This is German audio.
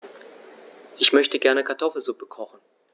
Ich möchte gerne Kartoffelsuppe kochen.